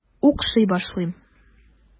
Укшый башлыйм.